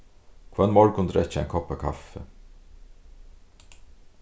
hvønn morgun drekki eg ein kopp av kaffi